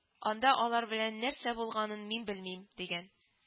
Анда алар белән нәрсә булганын мин белмим, - дигән